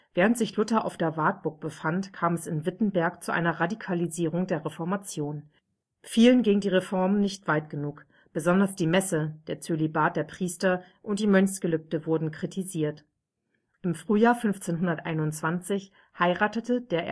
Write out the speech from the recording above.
Während sich Luther auf der Wartburg befand, kam es in Wittenberg zu einer Radikalisierung der Reformation. Vielen gingen die Reformen nicht weit genug. Besonders die Messe, der Zölibat der Priester und die Mönchsgelübde wurden kritisiert. Im Frühjahr 1521 heiratete der